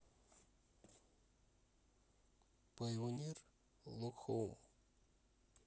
пайонир локхоум